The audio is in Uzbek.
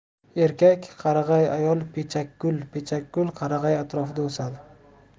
erkak qarag'ay ayol pechakgul pechakgul qarag'ay atrofida o'sadi